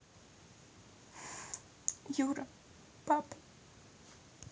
юра папа